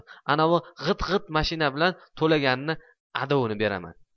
anavi g'it g'it mashina bilan to'laganni adabini beraman